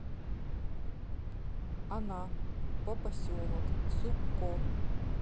она по поселок сукко